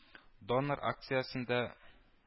Донор акциясендә